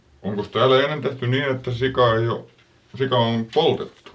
onkos täällä ennen tehty niin että sikaa ei ole sika on poltettu